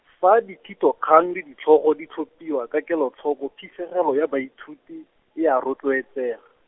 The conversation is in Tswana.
fa dithitokgang le ditlhogo di tlhophiwa ka kelotlhoko phisegelo ya baithuti, e a rotloetsega.